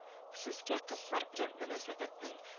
Сезгә кызлар белән мөнәсәбәтнең